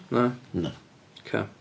Na?... Na. ...Oce.